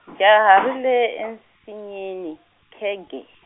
jaha ri lo ensinyeni, khegee.